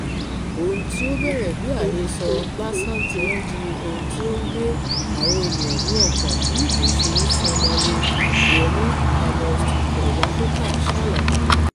Ohun tí ó bẹ̀rẹ̀ bí àhesọ lásán ti ń di ohun tí ó ń gbé àwọn ènìyàn ní ọkàn bí ìbò ṣe ń sún mọ́lé. Yomi Kamez ti Quartz Africa ṣàlàyé :